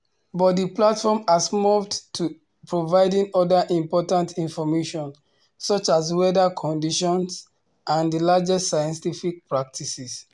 But the platform has morphed to providing other important information, such as weather conditions and the latest scientific practices.